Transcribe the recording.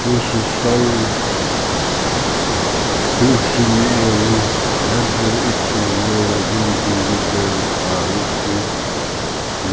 hvussu stór húskini eru heldur ikki verður grindin viðgjørd á virki